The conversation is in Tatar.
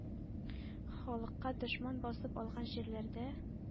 Халыкка дошман басып алган җирләрдә